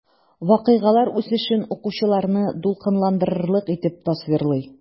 Вакыйгалар үсешен укучыларны дулкынландырырлык итеп тасвирлый.